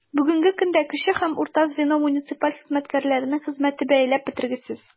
Бүгенге көндә кече һәм урта звено муниципаль хезмәткәрләренең хезмәте бәяләп бетергесез.